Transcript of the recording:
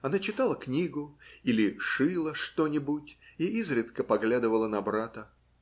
она читала книгу или шила что-нибудь и изредка поглядывала на брата.